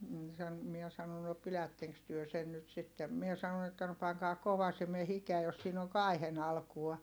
- sanoi minä sanoin no pidättekös te sen nyt sitten minä sanoin että no pankaa kovasimen hikeä jos siinä on kaihin alkua